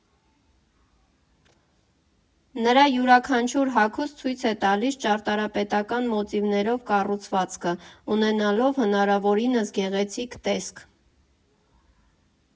Նրա յուրաքանչյուր հագուստ ցույց է տալիս ճարտարապետական մոտիվներով կառուցվածքը՝ ունենալով հնարավորինս գեղեցիկ տեսք։